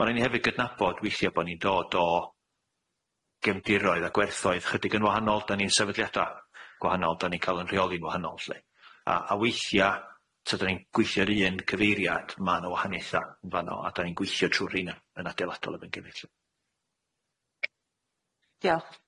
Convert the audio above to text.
Ma' rai ni hefyd gydnabod weithia' bo' ni'n dod o gefndiroedd a gwerthoedd chydig yn wahanol, dan ni'n sefydliada gwahanol, dan ni'n ca'l yn rheoli'n wahanol lly a a weithia' tydan ni'n gweithio'r un cyfeiriad ma' na wahaniaetha yn fano a dan ni'n gweithio trw'r heina yn adeiladol efo'n geilydd lly.